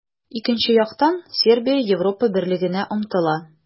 Икенче яктан, Сербия Европа Берлегенә омтыла.